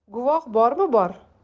guvoh bormi bor